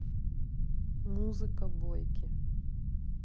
музыка бойки